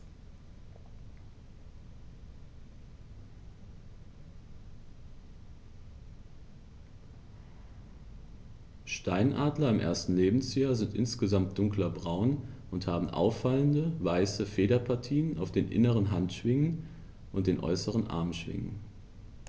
Steinadler im ersten Lebensjahr sind insgesamt dunkler braun und haben auffallende, weiße Federpartien auf den inneren Handschwingen und den äußeren Armschwingen.